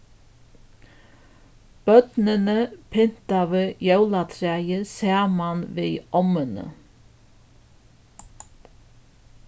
børnini pyntaðu jólatræið saman við ommuni